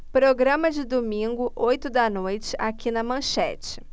programa de domingo oito da noite aqui na manchete